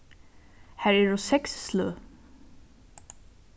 har eru seks sløg